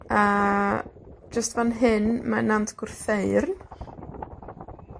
A jyst fan hyn ma' Nant Gwrtheyrn.